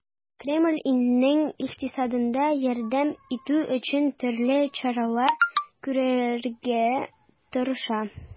Кремль илнең икътисадына ярдәм итү өчен төрле чаралар күрергә тырыша.